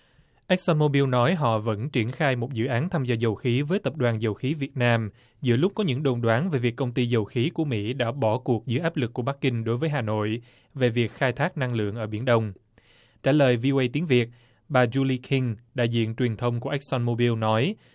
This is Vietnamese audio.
ếch xôn mô biu nói họ vẫn triển khai một dự án thăm dò dầu khí với tập đoàn dầu khí việt nam giữa lúc có những đồn đoán về việc công ty dầu khí của mỹ đã bỏ cuộc giữa áp lực của bắc kinh đối với hà nội về việc khai thác năng lượng ở biển đông trả lời vi ô ây tiếng việt bà giu li kinh đại diện truyền thông của ếch xôn mô biu nói